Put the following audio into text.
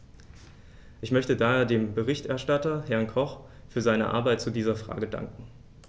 Ich möchte daher dem Berichterstatter, Herrn Koch, für seine Arbeit zu dieser Frage danken.